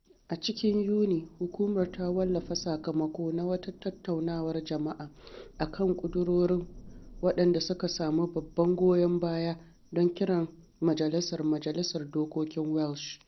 A cikin Yuni, Hukumar ta wallafa sakamako na wata tattaunawar jama’a a kan ƙudurorin waɗanda suka sami babban goyon baya don kiran majalisar Majalisar Dokokin Welsh.